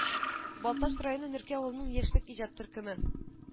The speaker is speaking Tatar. Балтач районы Нөркә авылының Яшьлек иҗат төркеме